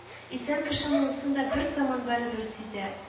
Исән кеше монысын да бер заман барыбер сизә